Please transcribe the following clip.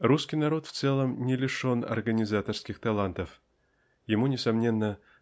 Русский народ в целом не лишен организаторских талантов ему несомненно